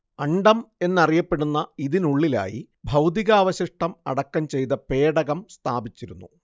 അണ്ഡം എന്നറിയപ്പെടുന്ന ഇതിനുള്ളിലായി ഭൗതികാവശിഷ്ടം അടക്കം ചെയ്ത പേടകം സ്ഥാപിച്ചിരുന്നു